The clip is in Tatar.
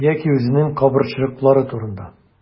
Яки үзенең кабырчрыклары турында.